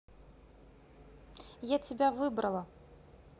я тебя выбрала